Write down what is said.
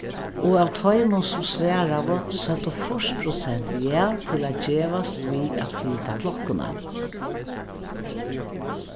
og av teimum sum svaraðu søgdu fýrs prosent ja til at gevast við at flyta klokkuna